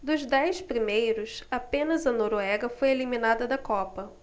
dos dez primeiros apenas a noruega foi eliminada da copa